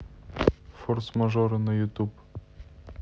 форс мажоры на ютуб